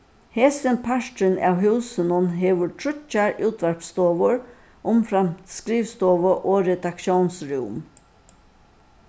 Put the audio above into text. hesin parturin av húsinum hevur tríggjar útvarpsstovur umframt skrivstovu og redaktiónsrúm